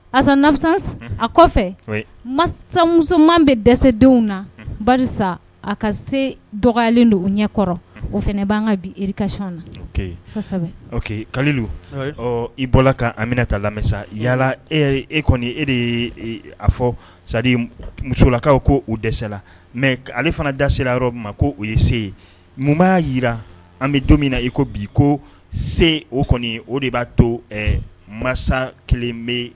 Asa nami a kɔfɛ masamuso bɛ dɛsɛdenw na ba a ka se dɔgɔlen don u ɲɛ kɔrɔ o fana' ka bikasi na kali don i bɔra kan an bɛna ta lamɛnmisa yalala e e kɔni e de a fɔ sa musolakaw ko' dɛsɛla mɛ ale fana dase yɔrɔ ma ko o ye seyi mun b'a jira an bɛ don min na i ko bi ko se o kɔni o de b'a to masa kelen bɛ